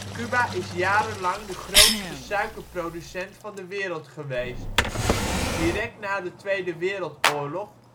Cuba is jarenlang de grootste suikerproducent van de wereld geweest. Direct na de Tweede Wereldoorlog